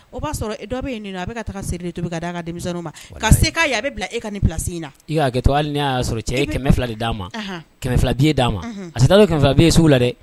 O b'a sɔrɔ e dɔ be yennɔ a bɛ ka taga seri de tobi ka d'a ka denmisɛnniw ma ka se k'a ye a be bila e ka nin place in na i be hakɛto hali ni a y'a sɔrɔ cɛ ye 200 de d'a ma anhan 200 billet d'a ma unhun a te taa n'o 200 billet ye sugu la dɛ